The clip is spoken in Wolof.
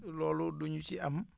loolu du ñu si am